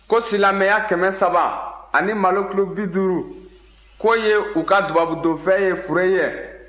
ko silamɛya kɛmɛ saba ani malo kilo bi duuru k'o ye u ka dubabudonfɛn ye fure ye